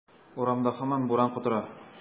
Урамда һаман буран котыра.